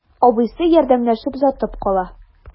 Абыйсы ярдәмләшеп озатып кала.